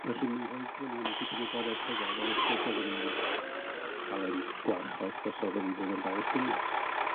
Felly mi oedd hwnna'n dipyn o goriad llygad, ag wrth gwrs oddan ni'n ca'l 'yn gwarchod chos oeddan ni ddim yn Balestiniad